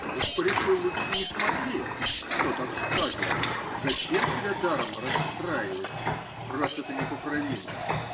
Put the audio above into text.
Я уж порешил лучше не смотреть, что там сказано, -- зачем себя даром расстраивать, раз это непоправимо.